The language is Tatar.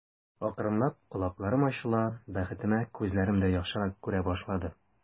Акрынлап колакларым ачыла, бәхетемә, күзләрем дә яхшырак күрә башлады.